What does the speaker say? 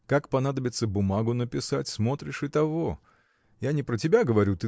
Как понадобится бумагу написать – смотришь, и того. Я не про тебя говорю